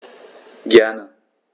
Gerne.